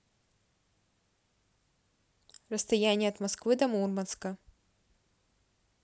расстояние от москвы до мурманска